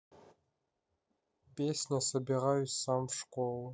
песня собираюсь сам в школу